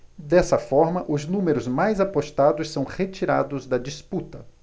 dessa forma os números mais apostados são retirados da disputa